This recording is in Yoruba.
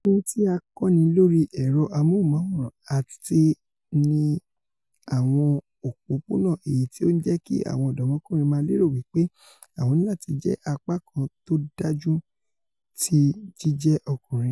Ohun tí a kọ́ni lóri ẹrọ ámóhὺnmáwòran, àti ní àwọn òpópóna, èyití ó ńjẹ́ kí àwọn ọ̀dọ́mọkùnrin máa lérò wí pé àwọn níláti jẹ́ apá kan tódájú ti jíjẹ́ ọkùnrin?